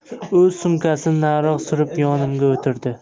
u sumkasini nariroq surib yonimga o'tirdi